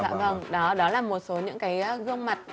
dạ vâng đó đó là một số những cái gương mặt